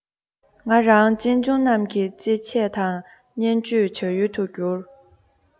ང རང གཅེན གཅུང རྣམས ཀྱི རྩེད ཆས དང བརྙས བཅོས བྱ ཡུལ དུ གྱུར